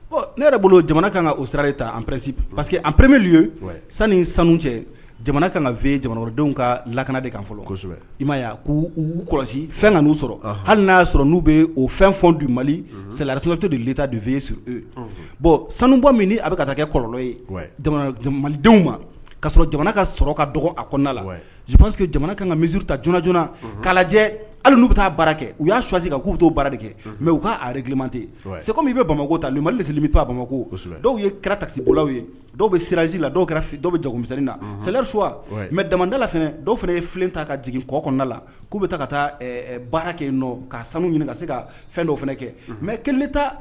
Sanu ka laana kɔlɔsi hali na mali bɔn sanu misi k'a hali'u bɛ taa baara kɛ u y'a swasi k'u bɛ too baara de kɛ mɛ u k'arikimante segu' bɛ bamakɔ bama ta li mali seli bɛ taa bamakɔ dɔw ye kɛra ta bololaw ye dɔw bɛ siraz la dɔw dɔw bɛ ja misɛn na salɛrisuwa mɛ jamanadala dɔw fana yelen ta ka jigin kɔ kɔnɔnada la k'u bɛ taa ka taa baara kɛ ka sanu minɛ ka se ka fɛn dɔw fana kɛ mɛ